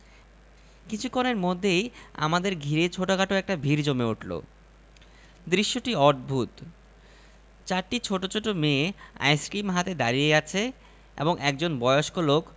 কিছুক্ষণের মধ্যেই আমাদের ঘিরে ছোটখাট একটা ভিড় জমে উঠল দৃশ্যটি অদ্ভুত চরিটি ছোট ছোট মেয়ে আইসক্রিম হাতে দাড়িয়ে আছে এবং একজন বয়স্ক লোক